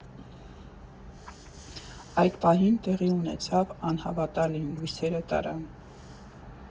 Այդ պահին տեղի ունեցավ անհավատալին՝ լույսերը տարան։